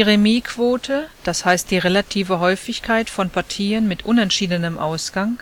Remisquote, d. h. die relative Häufigkeit von Partien mit unentschiedenem Ausgang,